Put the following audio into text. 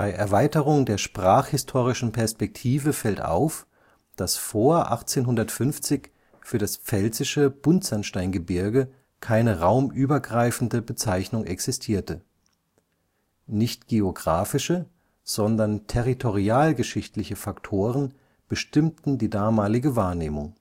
Erweiterung der sprachhistorischen Perspektive fällt auf, dass vor 1850 für das pfälzische Buntsandsteingebirge keine raumübergreifende Bezeichnung existierte. Nicht geographische, sondern territorialgeschichtliche Faktoren bestimmten die damalige Wahrnehmung